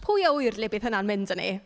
Pwy â wyr le bydd hynna'n mynd â ni?